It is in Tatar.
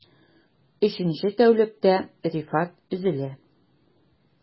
Өченче тәүлектә Рифат өзелә...